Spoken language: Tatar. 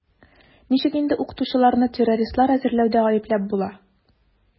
Ничек инде укытучыларны террористлар әзерләүдә гаепләп була?